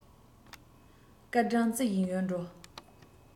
སྐར གྲངས རྩི བཞིན ཡོད འགྲོ